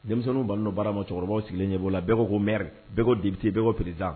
Denmisɛnninba n' baara ma cɛkɔrɔba sigilen ɲɛbɔ la bɛɛko ko mri bɛɛko dipte bɛɛko ti da